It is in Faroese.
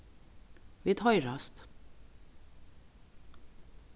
vit hoyrast